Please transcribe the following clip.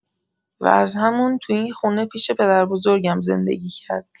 و از همون تو این خونه پیش پدربزرگم زندگی کرد.